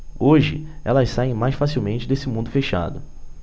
hoje elas saem mais facilmente desse mundo fechado